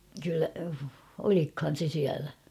kyllä olikohan se siellä